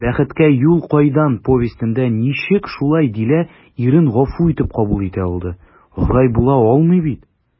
«бәхеткә юл кайдан» повестенда ничек шулай дилә ирен гафу итеп кабул итә алды, алай була алмый бит?»